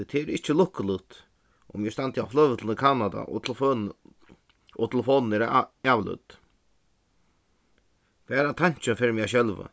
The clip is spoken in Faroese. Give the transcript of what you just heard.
tí tað er ikki lukkuligt um eg standi á flogvøllinum í kanada og telefonin er avlødd bara tankin fær meg at skelva